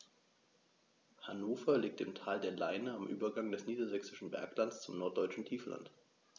Hannover liegt im Tal der Leine am Übergang des Niedersächsischen Berglands zum Norddeutschen Tiefland.